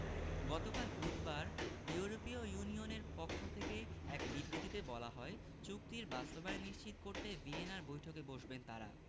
গতকাল বুধবার ইউরোপীয় ইউনিয়নের পক্ষ থেকে এক বিবৃতিতে বলা হয় চুক্তির বাস্তবায়ন নিশ্চিত করতে ভিয়েনায় বৈঠকে বসবেন তাঁরা